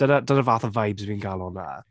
Dyna dyna'r fath o vibes fi'n cael o hwnna.